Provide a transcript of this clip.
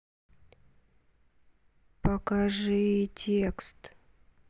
покажи текст